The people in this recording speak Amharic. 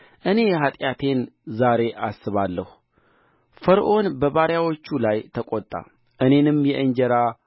እኔ ኃጢአቴን ዛሬ አስባለሁ ፈርዖን በባሪይዎቹ ላይ ተቆጣ እኔንም የእንጀራ